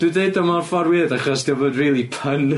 Dwi'n deud o mewn ffor' weird achos 'di o'm yn rili pun.